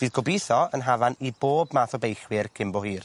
Fydd gobitho yn hafan i bob math o beillwyr cyn bo hir.